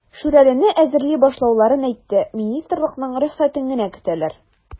"шүрәле"не әзерли башлауларын әйтте, министрлыкның рөхсәтен генә көтәләр.